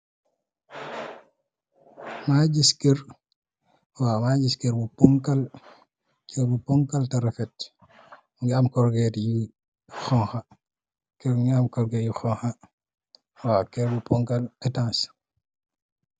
Mage giss kerr waw mage kerr bu ponkal kerr bu ponkal teh refet muge am kurget ye hauha kerr muge am kurget ye hauha waw kerr bu ponkal ehtasseh.